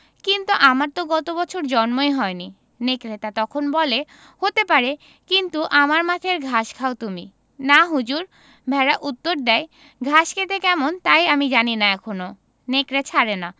কিন্তু আমার তো গত বছর জন্মই হয়নি নেকড়েটা তখন বলে হতে পারে কিন্তু আমার মাঠের ঘাস খাও তুমি না হুজুর ভেড়া উত্তর দ্যায় ঘাস খেতে কেমন তাই আমি জানি না এখনো নেকড়ে ছাড়ে না